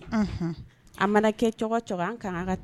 Mana kɛ kan